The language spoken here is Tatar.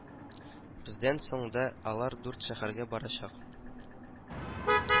Бездән соң дә алар дүрт шәһәргә барачак